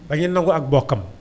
dañuy nangu ab bokkam